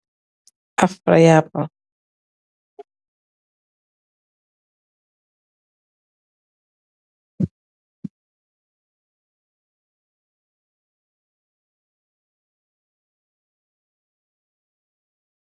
Afra yààpa